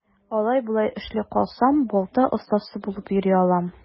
Алай-болай эшсез калсам, балта остасы булып йөри алам.